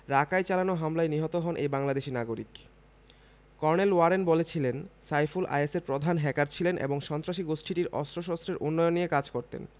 রাকায় চালানো হামলায় নিহত হন এই বাংলাদেশি নাগরিক কর্নেল ওয়ারেন বলেছিলেন সাইফুল আইএসের প্রধান হ্যাকার ছিলেন এবং সন্ত্রাসী গোষ্ঠীটির অস্ত্রশস্ত্রের উন্নয়ন নিয়ে কাজ করতেন